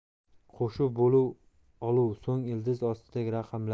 qo'shuv bo'luv oluv so'ng ildiz ostidagi raqamlar